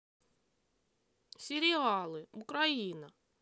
сериалы украина